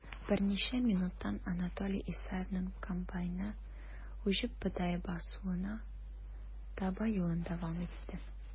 Берничә минуттан Анатолий Исаевның комбайны уҗым бодае басуына таба юлын дәвам итте.